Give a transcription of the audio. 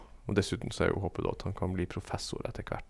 Og dessuten så er jo håpet, da, at han kan bli professor etter hvert.